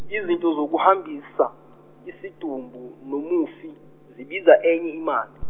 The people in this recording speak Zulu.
izinto zokuhambisa, isidumbu nomufi zibiza enye imali.